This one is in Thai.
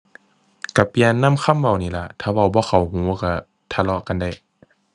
ก็เปลี่ยนนำคำเว้านี่ล่ะ ถ้าเว้าบ่เข้าหูก็ทะเลาะกันได้